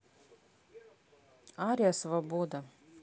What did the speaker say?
ария свобода